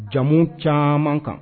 Jamu caman kan